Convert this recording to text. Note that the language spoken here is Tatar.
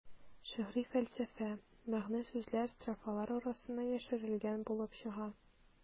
Шигъри фәлсәфә, мәгънә-сүзләр строфалар арасына яшерелгән булып чыга.